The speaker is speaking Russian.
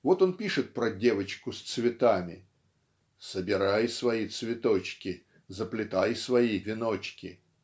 вот он пишет про "девочку с цветами" -- "собирай свои цветочки заплетай свои веночки"